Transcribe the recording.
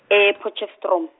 ePotchefstroom.